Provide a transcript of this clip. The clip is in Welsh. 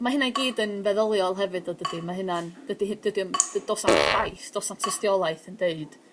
ma' hynna i gyd yn feddyliol hefyd tho dydi ma' hynna'n... Dydi hy- dydi o 'im... D- do's 'am ffaith do's na'm tystiolaeth yn deud